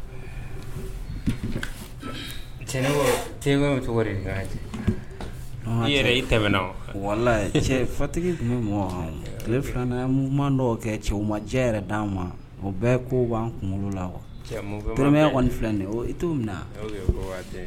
Wala fatigi tun bɛ mɔgɔ tile filanan kɛ cɛwjɛ yɛrɛ d di ma o bɛɛ ko b'an kunkolo la toroya kɔni filɛ i t' min